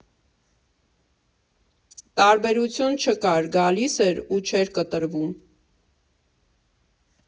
Տարբերություն չկար, գալիս էր ու չէր կտրվում։